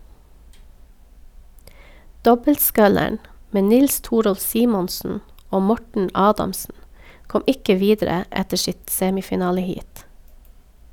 Dobbeltsculleren med Nils-Torolv Simonsen og Morten Adamsen kom ikke videre etter sitt semifinaleheat.